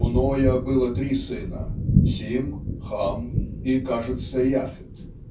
"У Ноя было три сына: Сим, Хам и, кажется, Иафет.